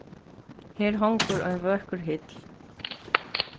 her hongur ein vøkur hill